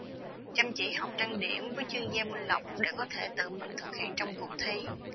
chăm chỉ học trang điểm với chuyên gia minh lộc để có thể tự mình thực hiện trong cuộc thi